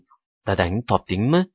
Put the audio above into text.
dadangni topdingmi